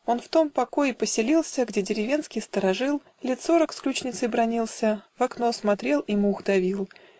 Он в том покое поселился, Где деревенский старожил Лет сорок с ключницей бранился, В окно смотрел и мух давил.